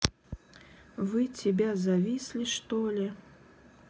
вы тебя зависли что ли